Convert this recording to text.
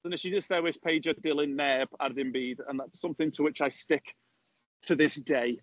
So wnes i jyst ddewis peidio dilyn neb ar ddim byd, and that's something to which I stick to this day.